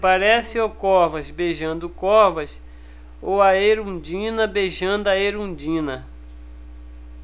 parece o covas beijando o covas ou a erundina beijando a erundina